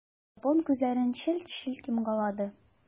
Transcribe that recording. Япон күзләрен челт-челт йомгалады.